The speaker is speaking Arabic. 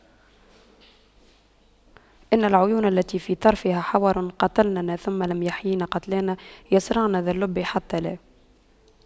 إن العيون التي في طرفها حور قتلننا ثم لم يحيين قتلانا يَصرَعْنَ ذا اللب حتى لا